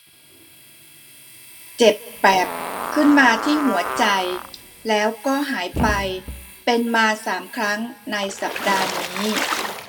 เจ็บแปลบขึ้นมาที่หัวใจแล้วก็หายไปเป็นมาสามครั้งในสัปดาห์นี้